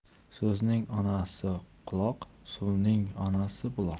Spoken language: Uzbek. so'zning onasi quloq suvning onasi buloq